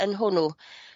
yn hwnnw.